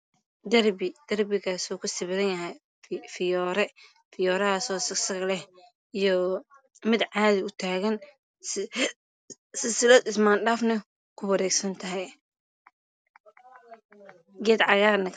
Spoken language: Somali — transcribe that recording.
Darbi darbiga ku sawiran yahy meel banan